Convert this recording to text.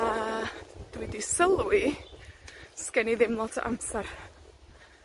a dwi 'di sylwi 'sgen i ddim lot o amsar.